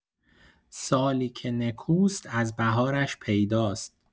سالی که نکوست از بهارش پیداست.